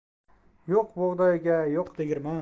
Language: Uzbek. yo'q bug'doyga yo'q tegirmon